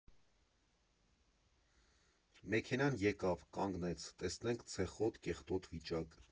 Մեքենան եկավ, կանգնեց, տեսնենք՝ ցեխոտ, կեղտոտ վիճակ։